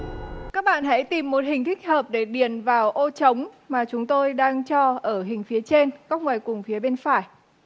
các bạn hãy tìm một hình thích hợp để điền vào ô trống mà chúng tôi đang cho ở hình phía trên góc ngoài cùng phía bên phải